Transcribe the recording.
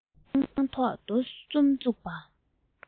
སྤང ཐང ཐོག རྡོ གསུམ བཙུགས པ